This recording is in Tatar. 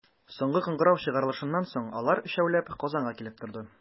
Соңгы кыңгырау чыгарылышыннан соң, алар, өчәүләп, Казанга килеп торды.